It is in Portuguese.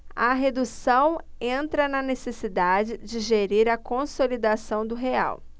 a redução entra na necessidade de gerir a consolidação do real